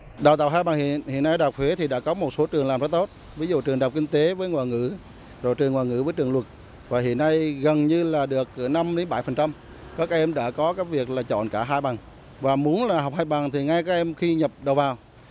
đào tạo hai bằng hiện nay đại học huế thì đã có một số trường làm rất tốt ví dụ trường đại học kinh tế với ngoại ngữ rồi trường ngoại ngữ với trường luật và hiện nay gần như là được cứ năm đến bảy phần trăm các em đã có cái việc là chọn cả hai bằng và muốn là học hai bằng thì ngay các em khi nhập đầu vào